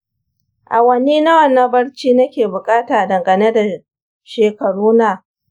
awanni nawa na barci nake buƙata dangane da shekaruna?